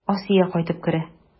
Асия кайтып керә.